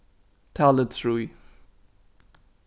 talið trý